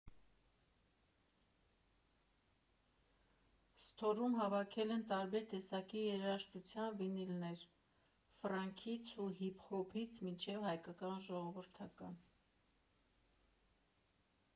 Սթորում հավաքել են տարբեր տեսակի երաժշտության վինիլներ՝ ֆանքից ու հիփ֊հոփից մինչև հայկական ժողովրդական։